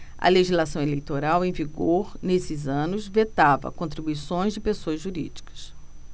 a legislação eleitoral em vigor nesses anos vetava contribuições de pessoas jurídicas